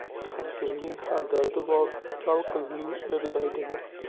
har kimning har dardi bor kal qizning er dardi bor